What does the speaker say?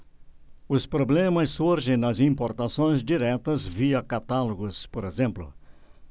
os problemas surgem nas importações diretas via catálogos por exemplo